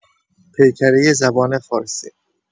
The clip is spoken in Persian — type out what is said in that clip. پیکره زبان فارسی